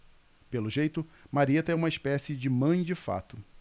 pelo jeito marieta é uma espécie de mãe de fato